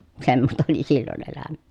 semmoista oli silloin elämä